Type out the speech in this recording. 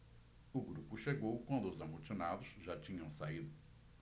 o grupo chegou quando os amotinados já tinham saído